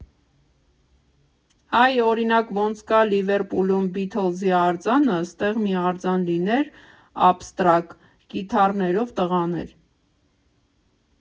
Այ, օրինակ, ոնց կա Լիվերպուլում Բիթլզի արձանը, ստեղ մի արձան լիներ, աբստրակտ՝ կիթառներով տղաներ։